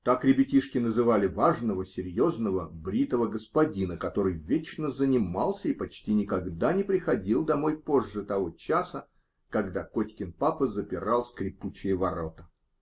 Так ребятишки называли важного, серьезного бритого господина, который вечно занимался и почти никогда не приходил домой позже того часа, когда Котькин папа запирал скрипучие ворота.